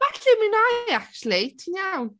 Falle mi wna i acshyli ti'n iawn.